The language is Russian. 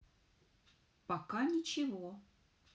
пока ничего